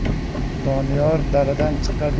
doniyor daradan chiqa